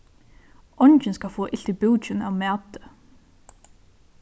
eingin skal fáa ilt í búkin av mati